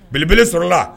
Belebele sɔrɔ la wa?